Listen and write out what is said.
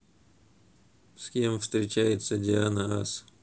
с кем встречается диана ас